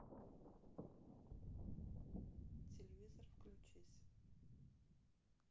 телевизор включись